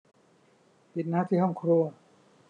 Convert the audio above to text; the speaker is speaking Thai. ปิดน้ำที่ห้องครัว